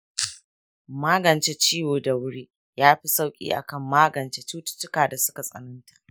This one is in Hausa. magance ciwo da wuri yafi sauki akan magance cututtukan da suka tsananta.